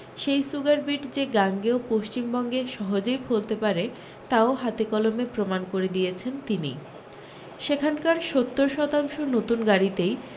সেই সুগারবিট যে গাঙ্গেয় পশ্চিমবঙ্গে সহজেই ফলতে পারে তাও হাতে কলমে প্রমাণ করে দিয়েছেন তিনি সেখানকার সত্তর শতাংশ নতুন গাড়িতেই